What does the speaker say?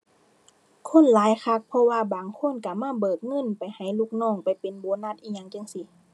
คนหลายคัก เพราะว่าบางคนก็มาเบิกเงินไปให้ลูกน้อง ไปเป็นโบนัสอิหยังจั่งซี้